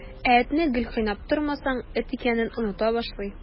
Ә этне гел кыйнап тормасаң, эт икәнен оныта башлый.